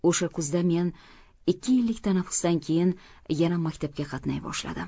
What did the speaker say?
o'sha kuzda men ikki yillik tanaffusdan keyin yana maktabga qatnay boshladim